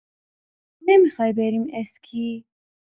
نمی‌خوای بریم اسکی؟